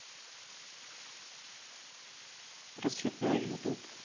про цветное ютуб